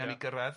nawn ni gyrradd